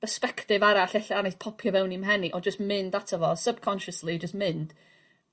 bysbectif arall ella a wnaeth popio fewn i'm mhen i ond jyst mynd ato fo l sub conciously jyst mynd